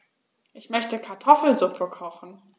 Ich möchte Kartoffelsuppe kochen.